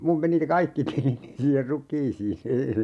minun meni ne kaikki tilini siihen rukiisiin -